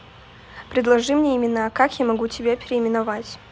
предложи мне имена как я могу тебя переименовать